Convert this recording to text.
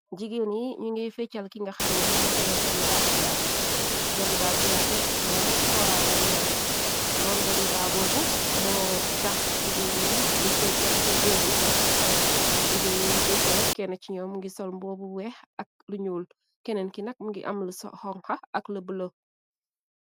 Jigeen yi ñu ngay feecal ki nga xamne moo tuda jalibaa kuyaate moom kooralay yore moom jalibaa boob moo tax jigeen yi di feeca pur géew gi settan len jigéen yiy feccana kenne ci ñoom ngi sol mboobu weex ak luñuul kenneen ki nak ngi am lu xonka ak lu bulë.